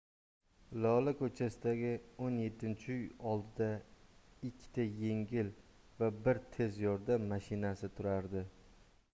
lola ko'chasidagi o'n yettinchi uy oldida ikkita yengil va bir tez yordam mashinasi turardi